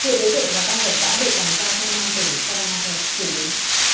hiện đối tượng và tang vật đã được bàn giao cho công an tỉnh sa va na khe xử lý